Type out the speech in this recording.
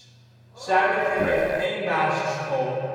Zuilichem heeft één basisschool